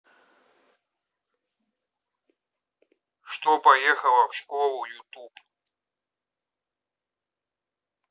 что поехала в школу youtube